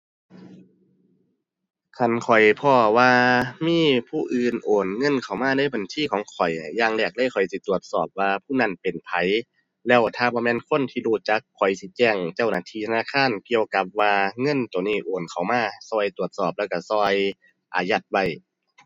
คันข้อยพ้อว่ามีผู้อื่นโอนเงินเข้ามาในบัญชีของข้อย อย่างแรกเลยข้อยสิตรวจสอบว่าผู้นั้นเป็นไผ แล้วถ้าบ่แม่นคนที่รู้จักข้อยสิแจ้งเจ้าหน้าที่ธนาคารเกี่ยวกับว่าเงินตัวนี้โอนเข้ามา ช่วยตรวจสอบแล้วช่วยช่วยอายัดไว้